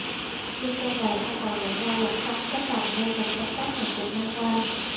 dân trong làng không còn nhận ra dòng sông cánh đồng nơi mình canh tác hàng chục năm qua